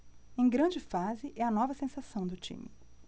em grande fase é a nova sensação do time